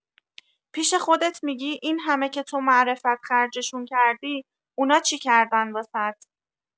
پیش خودت می‌گی اینهمه که تو معرفت خرجشون کردی اونا چی کردن واست؟